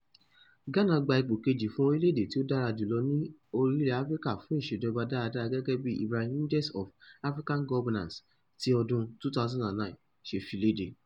Ghana gba ipò keje fún orílẹ̀-èdè tí ó dára jùlọ ní orílẹ̀ Áfíríkà fún ìṣèjọba dáadáa gẹ́gẹ́ bí Ibrahim Index of African Governance ti ọdún 2009 ṣe fi léde.